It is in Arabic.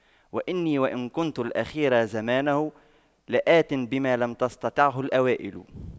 وإني وإن كنت الأخير زمانه لآت بما لم تستطعه الأوائل